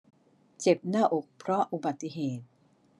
เจ็บหน้าอกเพราะอุบัติเหตุ